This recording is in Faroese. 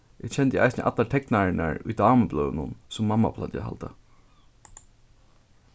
eg kendi eisini allar teknararnar í damubløðunum sum mamma plagdi at halda